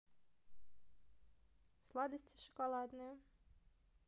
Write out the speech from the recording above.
сладости шоколадные